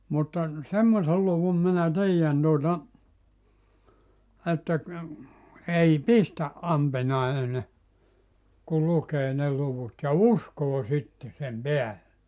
mutta semmoisen luvun minä tiedän tuota että ei pistä ampiainen kun lukee ne luvut ja uskoo sitten sen päälle